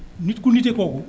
nit ku nite kooku